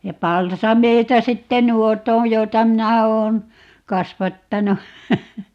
ja palsameita sitten nuo on joita minä olen kasvattanut